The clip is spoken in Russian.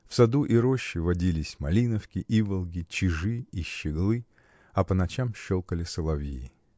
в саду и роще водились малиновки, иволги, чижи и щеглы, а по ночам щелкали соловьи.